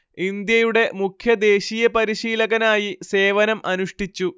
ഇന്ത്യയുടെ മുഖ്യ ദേശീയ പരിശീലകനായി സേവനം അനുഷ്ഠിച്ചു